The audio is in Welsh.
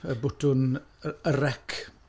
Y botwm... y y rec.